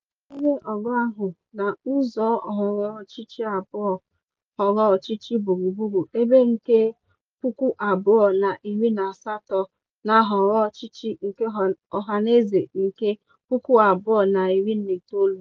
E tinyere ogo ahụ na ụzọ nhọrọ ọchịchị abụọ ---nhọrọ ọchịchị gburugburu ebe nke 2018 na nhọrọ ọchịchị nke ọhanaeze nke 2019.